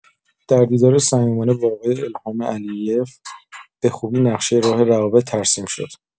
در دیدار صمیمانه با آقای الهام علی یف بخوبی‌نقشه راه روابط ترسیم شد.